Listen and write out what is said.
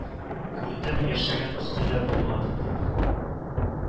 Күрдем яшәгән төсле дә булмадым , дип